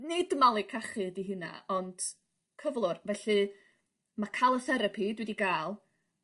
Nid malu cachu 'di hynna ond cyflwr felly ma' ca'l y therapi dwi 'di ga'l